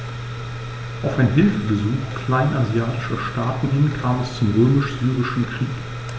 Auf ein Hilfegesuch kleinasiatischer Staaten hin kam es zum Römisch-Syrischen Krieg.